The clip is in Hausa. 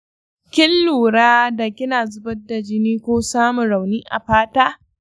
kin lura da kina zubar da jini ko samun rauni a fata?